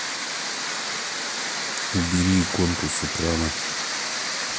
убери иконку с экрана